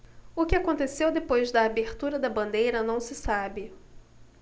o que aconteceu depois da abertura da bandeira não se sabe